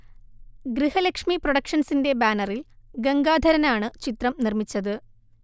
ഗൃഹലക്ഷ്മി പ്രൊഡക്ഷൻസിന്റെ ബാനറിൽ ഗംഗാധരനാണ് ചിത്രം നിർമ്മിച്ചത്